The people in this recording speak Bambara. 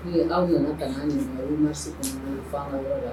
Ni anw nana ka na ɲɛfɔ an ye 8 mars kɔnɔna la fo an ka yɔrɔ la.